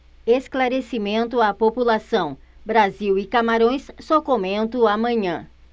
esclarecimento à população brasil e camarões só comento amanhã